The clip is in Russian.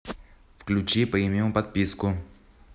включи премиум подписку